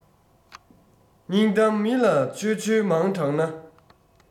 སྙིང གཏམ མི ལ འཆོལ འཆོལ མང དྲགས ན